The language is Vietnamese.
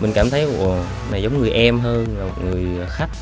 mình cảm thấy ủa này giống người em hơn là một người khách